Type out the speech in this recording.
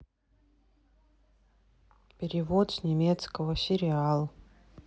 перевод с немецкого сериал